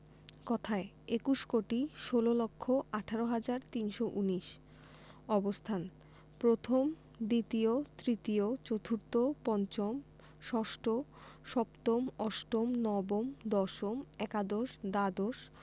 কথায়ঃ একুশ কোটি ষোল লক্ষ আঠারো হাজার তিনশো উনিশ অবস্থানঃ প্রথম দ্বিতীয় তৃতীয় চতুর্থ পঞ্চম ষষ্ঠ সপ্তম অষ্টম নবম দশম একাদশ দ্বাদশ